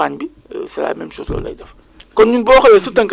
dégg nga romb ay Diohine jaar ay Toucar